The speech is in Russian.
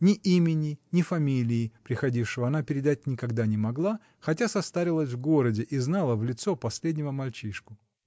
Ни имени, ни фамилии приходившего она передать никогда не могла, хотя состарелась в городе и знала в лицо последнего мальчишку.